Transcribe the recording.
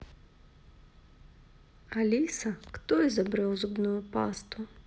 алиса кто изобрел зубную пасту